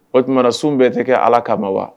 O tumaumana sun bɛɛ tɛ kɛ ala kama ma wa